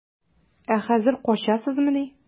Ә хәзер качасызмыни?